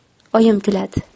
oyim kuladi